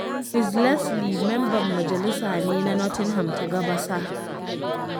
Chris Leslie mamban majalisa ne na Nottingham ta Gabasa